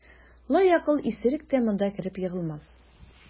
Лаякыл исерек тә монда кереп егылмас.